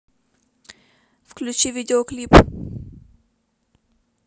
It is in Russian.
включи видеоклип